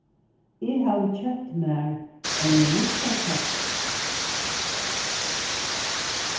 eg havi keypt mær eina nýggja tasku